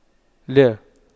لا